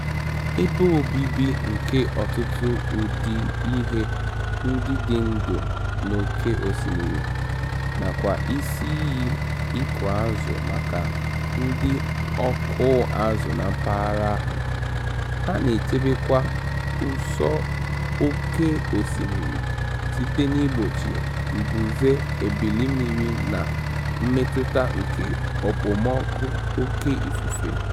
Ebe obibi nke ọtụtụ ụdị ihe ndị dị ndụ n'oké osimiri (nakwa isi iyi ịkụ azụ maka ndị ọkụ azụ na mpaghara ahụ), ha na-echebekwa ụsọ oké osimiri site n'igbochi mbuze ebili mmiri na mmetụta nke okpomọọkụ oke ifufe.